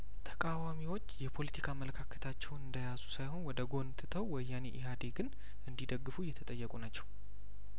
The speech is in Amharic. ተቃዋሚዎች የፖለቲካ አመለካከታቸውን እንደያዙ ሳይሆን ወደ ጐን ትተው ወያኔ ኢህአዴግን እንዲደግፉ እየተጠየቁ ናቸው